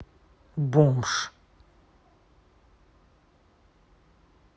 бомж